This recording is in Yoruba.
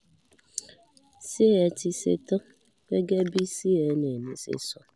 ṣé ẹ ti ṣetán?” Gẹ́gẹ́ bí CNN ṣe sọ.